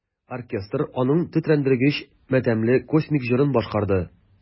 Оркестр аның тетрәндергеч матәмле космик җырын башкарды.